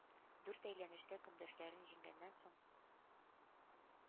Дүрт әйләнештә көндәшләрен җиңгәннән соң,